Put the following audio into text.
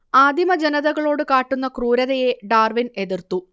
ആദിമജനതകളോടു കാട്ടുന്ന ക്രൂരതയെ ഡാർവിൻ എതിർത്തു